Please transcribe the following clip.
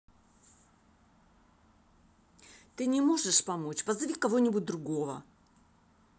ты не можешь помочь позови кого нибудь другого